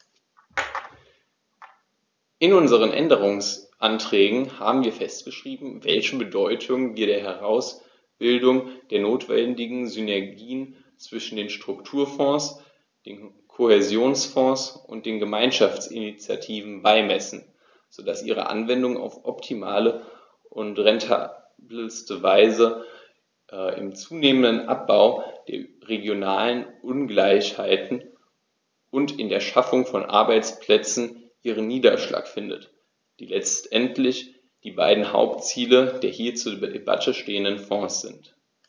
In unseren Änderungsanträgen haben wir festgeschrieben, welche Bedeutung wir der Herausbildung der notwendigen Synergien zwischen den Strukturfonds, dem Kohäsionsfonds und den Gemeinschaftsinitiativen beimessen, so dass ihre Anwendung auf optimale und rentabelste Weise im zunehmenden Abbau der regionalen Ungleichheiten und in der Schaffung von Arbeitsplätzen ihren Niederschlag findet, die letztendlich die beiden Hauptziele der hier zur Debatte stehenden Fonds sind.